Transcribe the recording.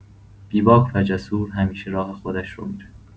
بی‌باک و جسور، همیشه راه خودش رو می‌ره.